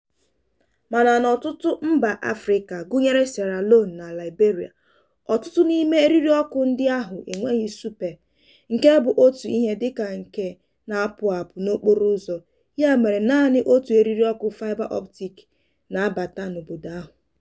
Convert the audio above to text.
Mana, n'ọtụtụ mba Afrịka - gụnyere Sierra Leone na Liberia - ọtụtụ n'ime eririọkụ ndị ahụ enweghị spọọ (nke bụ otu ihe dịka nke na-apụ apụ n'okporoụzọ), ya mere naanị otu eririọkụ faịba optik na-abata n'obodo ahụ.